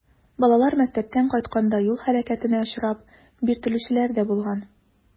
Балалар мәктәптән кайтканда юл һәлакәтенә очрап, биртелүчеләр дә булган.